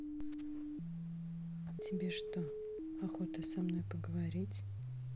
тебе что охота со мной поговорить